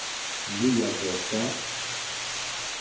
liðagøta